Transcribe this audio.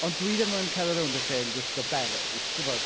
Ond dwi ddim yn cerdded rownd y lle yn gwisgo beret tibod.